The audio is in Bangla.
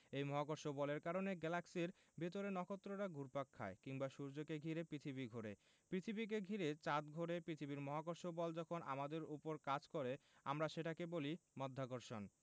এই মহাকর্ষ বলের কারণে গ্যালাক্সির ভেতরে নক্ষত্ররা ঘুরপাক খায় কিংবা সূর্যকে ঘিরে পৃথিবী ঘোরে পৃথিবীকে ঘিরে চাঁদ ঘোরে পৃথিবীর মহাকর্ষ বল যখন আমাদের ওপর কাজ করে আমরা সেটাকে বলি মাধ্যাকর্ষণ